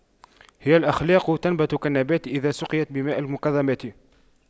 هي الأخلاق تنبت كالنبات إذا سقيت بماء المكرمات